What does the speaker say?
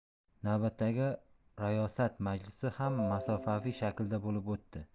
navbatdagi rayosat majlisi ham masofaviy shaklda bo'lib o'tdi